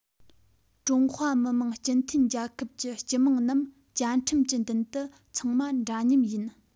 ཀྲུང ཧྭ མི དམངས སྤྱི མཐུན རྒྱལ ཁབ ཀྱི སྤྱི དམངས རྣམས བཅའ ཁྲིམས ཀྱི མདུན དུ ཚང མ འདྲ མཉམ ཡིན